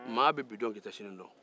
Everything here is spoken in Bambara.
maa bɛ bi dɔn nka i tɛ sini dɔn